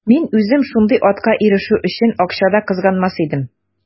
Мин үзем шундый атка ирешү өчен акча да кызганмас идем.